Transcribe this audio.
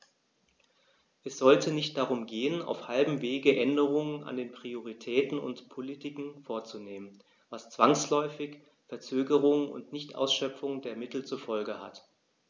Es sollte nicht darum gehen, auf halbem Wege Änderungen an den Prioritäten und Politiken vorzunehmen, was zwangsläufig Verzögerungen und Nichtausschöpfung der Mittel zur Folge hat.